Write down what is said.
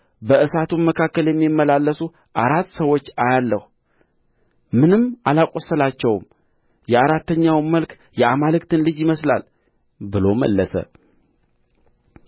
በእሳቱም መካከል የሚመላለሱ አራት ሰዎች አያለሁ ምንም አላቈሰላቸውም የአራተኛውም መልክ የአማልክትን ልጅ ይመስላል ብሎ መለሰ